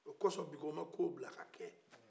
o kosɔn biko ma kow bila ka kɛ